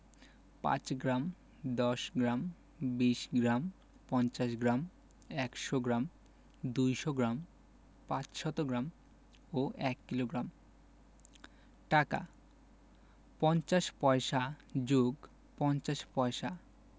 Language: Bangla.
৫ গ্রাম ১০গ্ৰাম ২০ gram ৫০ gram ১০০ gram ২০০ gram ৫০০ gram ও ১ কিলোগ্রাম টাকাঃ ৫০ পয়সা + ৫০ পয়স